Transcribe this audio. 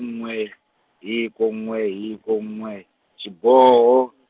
n'we, hiko n'we hiko n'we, xiboho.